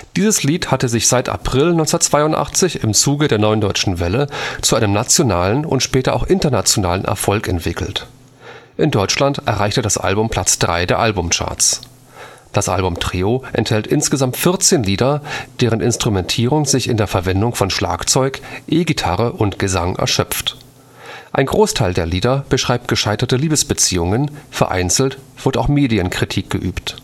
Dieses Lied hatte sich seit April 1982 im Zuge der Neuen Deutschen Welle zu einem nationalen und später auch internationalen Erfolg entwickelt. In Deutschland erreichte das Album Platz drei der Albumcharts. Das Album Trio enthält insgesamt 14 Lieder, deren Instrumentierung sich in der Verwendung von Schlagzeug, E-Gitarre und Gesang erschöpft. Ein Großteil der Lieder beschreibt gescheiterte Liebesbeziehungen, vereinzelt wird auch Medienkritik geübt